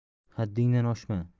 haddingdan oshma